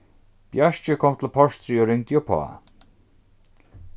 bjarki kom til portrið og ringdi uppá